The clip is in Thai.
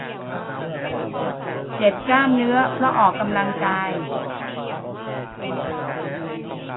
เจ็บกล้ามเนื้อเพราะออกกำลังกาย